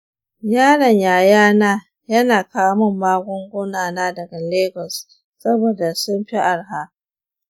yaron yaya na yana kawo min magunguna na daga lagos saboda sun fi arha.